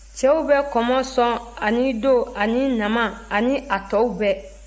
cɛw bɛ kɔmɔ sɔn ani do ani nama ani a tɔw bɛɛ